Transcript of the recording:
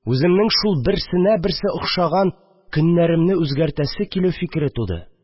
Үземнең шул берсенә берсе охшаган көннәремне үзгәртәсе килү фикере туды